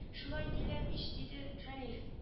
Шулай диләр ич диде хәниф